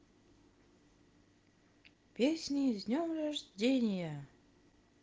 песни с днем рождения